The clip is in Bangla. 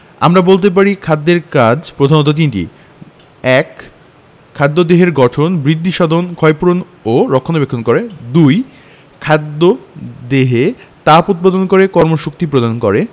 আমরা বলতে পারি খাদ্যের কাজ প্রধানত তিনটি ১. খাদ্য দেহের গঠন বৃদ্ধিসাধন ক্ষয়পূরণ ও রক্ষণাবেক্ষণ করে ২. খাদ্য দেহে তাপ উৎপাদন করে কর্মশক্তি প্রদান করে